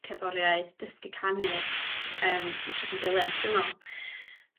cerddoriaeth dysgu canu yym w- jyst yn brilliant dwi me'wl.